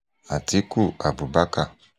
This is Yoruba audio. Atiku Abubakar